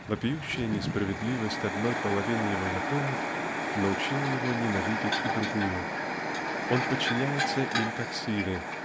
Вопиющая несправедливость одной половины его законов научила его ненавидеть и другую он подчиняется им как силе.